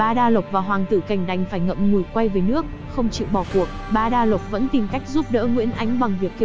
bá đa lộc và hoàng tử cảnh đành phải ngậm ngùi quay về nước không chịu bỏ cuộc bá đa lộc vẫn tìm cách giúp đỡ nguyễn ánh bằng việc kêu gọi